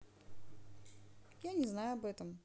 я не знаю об этом